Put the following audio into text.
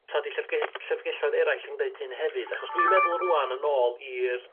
t'od 'di llyfge- llyfrgelloedd eraill yn deud hyn hefyd achos dwi'n meddwl rŵan yn ôl i'r